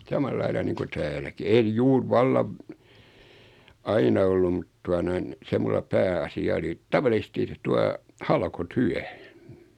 samalla lailla niin kuin täälläkin en juuri vallan aina ollut mutta tuota noin se minulla pääasia oli tavallisesti tuota halkotyö